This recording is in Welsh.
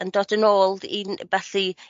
yn dod yn ôl i 'n felly